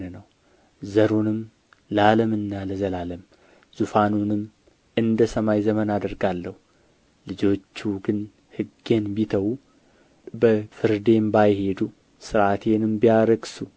ነው ዘሩንም ለዓለምና ለዘላለም ዙፋኑንም እንደ ሰማይ ዘመን አደርጋለሁ ልጆቹ ግን ሕጌን ቢተዉ በፍርዴም ባይሄዱ ሥርዓቴንም ቢያረክሱ